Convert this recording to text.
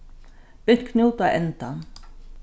bint knút á endan